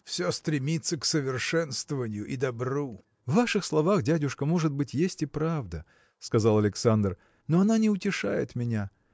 все стремится к совершенствованию и добру. – В ваших словах дядюшка может быть есть и правда – сказал Александр – но она не утешает меня.